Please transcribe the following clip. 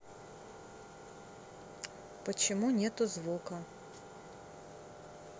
почему нету звука